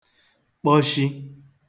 kpọshi